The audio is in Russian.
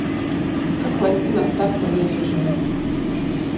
как войти на стартовый режим